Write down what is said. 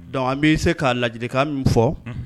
Dɔnku an bɛ se k'a la ka min fɔ